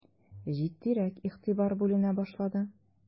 Җитдирәк игътибар бүленә башлады.